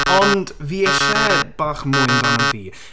Ond fi eisiau bach mwy amdano fi.